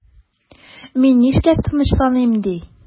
Мин нишләп тынычланыйм ди?